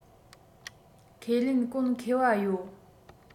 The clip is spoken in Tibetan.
ཁས ལེན གོང ཁེ བ ཡོད